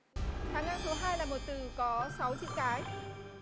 hàng ngang số hai là một từ có sáu chữ cái